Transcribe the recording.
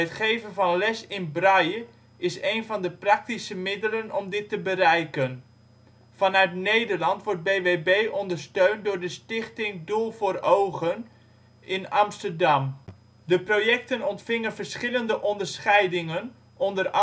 geven van les in braille is een van de praktische middelen om dit te bereiken. Vanuit Nederland wordt BWB ondersteund door de Stichting Doel voor Ogen in Amsterdam. De projecten ontvingen verschillende onderscheidingen, onder